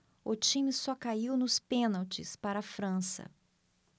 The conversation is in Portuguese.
o time só caiu nos pênaltis para a frança